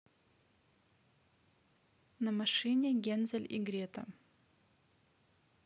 на машине гензель и грета